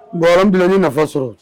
Mais alihamiduli layi ni ye nafa sɔrɔ